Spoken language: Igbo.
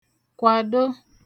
kwàdo